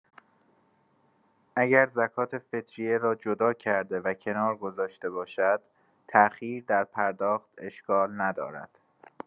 اگر زکات فطریه را جدا کرده و کنار گذاشته باشد، تاخیر در پرداخت اشکال ندارد.